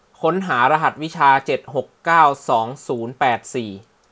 ค้นหารหัสวิชาเจ็ดหกเก้าสองศูนย์แปดสี่